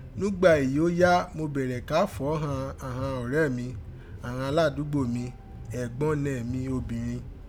Nùgbà èyí ó yá, mo bẹ̀rẹ̀ ka fọ̀ ọ́ ghàn àghan ọ̀rẹ́ mi, àghan aládùúgbò mi, ẹ̀gbọ́nnẹ mi obìnrin.